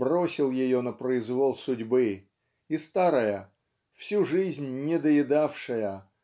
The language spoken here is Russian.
бросил ее на произвол судьбы и старая всю жизнь недоедавшая